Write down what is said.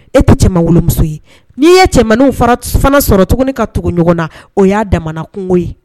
E ta tɛ cɛ wolomuso ye . Ni ye cɛmanninw fana sɔrɔ tukuni ka tugu ɲɔgɔn na , o ya damana kunko ye